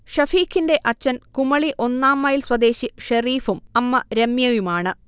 ഷഫീക്കിന്റെ അച്ഛൻ കുമളി ഒന്നാംമൈൽ സ്വദേശി ഷെരീഫും അമ്മ രമ്യയുമാണ്